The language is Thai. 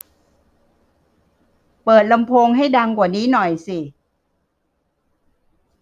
เปิดลำโพงให้ดังกว่านี้หน่อยสิ